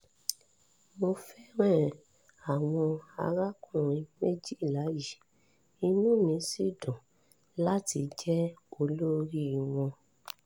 Mo fẹ́ran àwọn arákùnrin méjìlá yìí inú mi sì dùn láti jẹ́ olórí wọn.